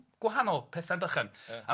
gwahanol, pethan bychan.